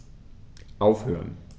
Aufhören.